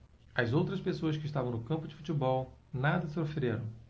as outras pessoas que estavam no campo de futebol nada sofreram